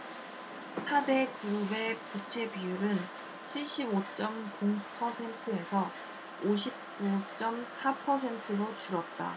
사 대그룹의 부채비율은 칠십 오 쩜 공 퍼센트에서 오십 구 쩜 사 퍼센트로 줄었다